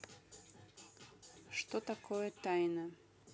что такое тайна